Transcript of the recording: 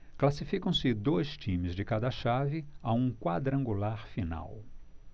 classificam-se dois times de cada chave a um quadrangular final